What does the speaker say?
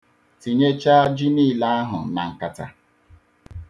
Tinyecha ji niile ahụ na nkata.